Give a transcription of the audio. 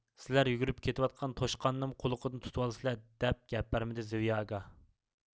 سىلەر يۈگۈرۈپ كېتىۋاتقان توشقاننىمۇ قۇلىقىدىن تۇتۇۋالىسىلەر دەپ گەپ بەرمىدى زىۋياگا